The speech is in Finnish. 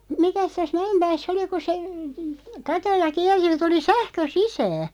mikäs tässä Mäenpäässä oli kun se katolla kiersi ja tuli sähkö sisään